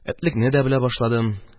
Этлекне дә белә башладым.